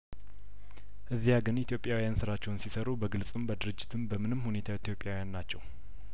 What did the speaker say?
እዚያግን ኢትዮጵያዊያን ስራቸውን ሲሰሩ በግልጽም በድርጅትም በምንም ሁኔታ ኢትዮጵያዊያን ናቸው